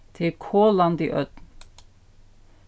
tað er kolandi ódn